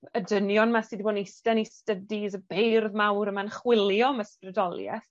y dynion ma' sy' 'di bod yn eiste yn 'u stydis y beirdd mawr yma'n chwilio am ysbrydolieth,